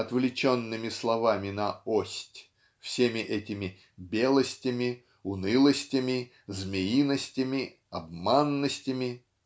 отвлеченными словами на "ость" всеми этими "белостями унылостями змеиностями обманностями"